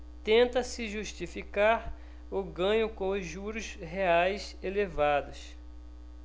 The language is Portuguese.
tenta-se justificar o ganho com os juros reais elevados